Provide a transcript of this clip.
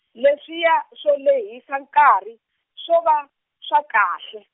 leswiya swo lehisa nkarhi, swo va, swa kahle.